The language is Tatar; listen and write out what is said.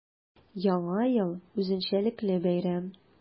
Яңа ел – үзенчәлекле бәйрәм.